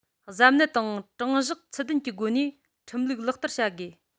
གཟབ ནན དང དྲང གཞག ཚུལ ལྡན གྱི སྒོ ནས ཁྲིམས ལུགས ལག བསྟར བྱ དགོས